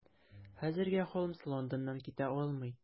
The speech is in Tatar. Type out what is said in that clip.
Хәзергә Холмс Лондоннан китә алмый.